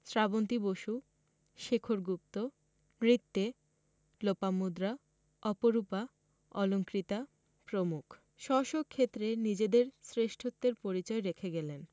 শ্রাবন্তী বসু শেখর গুপ্ত নৃত্যে লোপামুদ্রা অপরূপা অলঙ্কৃতা প্রমুখ স্ব স্ব ক্ষেত্রে নিজেদের শ্রেষ্ঠত্বের পরিচয় রেখে গেলেন